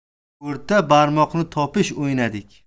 o'rta barmoqni topish o'ynadik